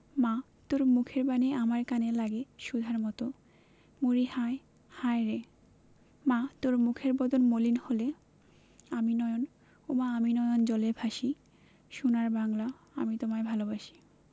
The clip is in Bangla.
মা তোর মুখের বাণী আমার কানে লাগে সুধার মতো মরিহায় হায়রে মা তোর মুখের বদন মলিন হলে ওমা আমি নয়ন ওমা আমি নয়ন জলে ভাসি সোনার বাংলা আমি তোমায় ভালবাসি